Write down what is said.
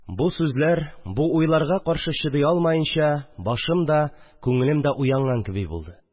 Бу сүзләр, бу уйларга каршы чыдый алмаенча, башым да, күңелем дә уянган кеби булды